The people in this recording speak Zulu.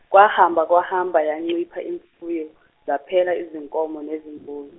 kwahamba kwahamba yancipha imfuyo, zaphela izinkomo nezimbuzi.